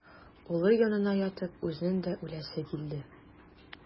Улы янына ятып үзенең дә үләсе килде.